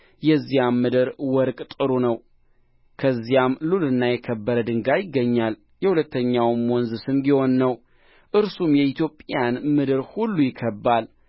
የዚያም ምድር ወርቅ ጥሩ ነው ከዚያም ሉልና የከበረ ድንጋይ ይገኛል የሁለተኛውም ወንዝ ስም ግዮን ነው እርሱም የኢትዮጵያን ምድር ሁሉ ይከብባል